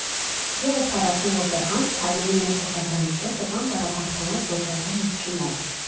Եվս քառասուն րոպե անց Արմենի նոր փոխադրամիջոցը կանգ առավ «Հաղթանակ» զբոսայգու մուտքի մոտ։